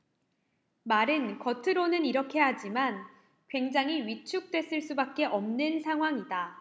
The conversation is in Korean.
말은 겉으로는 이렇게 하지만 굉장히 위축됐을 수밖에 없는 상황이다